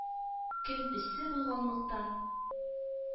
Көн эссе булганлыктан,